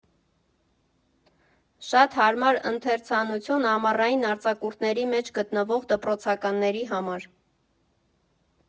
Շատ հարմար ընթերցանություն՝ ամառային արձակուրդների մեջ գտնվող դպրոցականների համար։